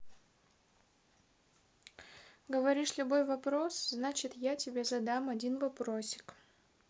говоришь любой вопрос значит я тебе задам один вопросик